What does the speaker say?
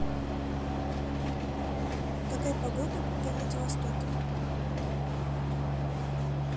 какая погода во владивостоке